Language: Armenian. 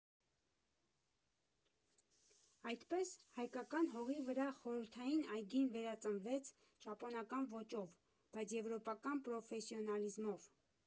Այդպես, հայկական հողի վրա խորհրդային այգին վերածնվեց ճապոնական ոճով, բայց եվրոպական պրոֆեսիոնալիզմով։